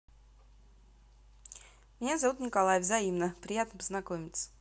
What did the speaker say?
меня зовут николай взаимно приятно познакомиться